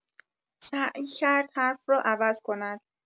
سعی کرد حرف را عوض کند